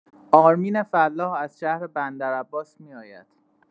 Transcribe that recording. آرمین فلاح از شهر بندرعباس می‌آید.